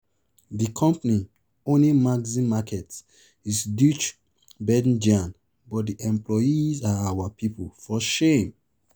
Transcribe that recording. The company [owning Maxi markets] is Dutch-Belgian but the employees are our people! For shame!